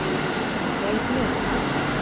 Кем гаепле?